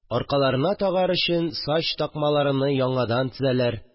Аркаларына тагар өчен, сач такмаларыны яңадан тезәләр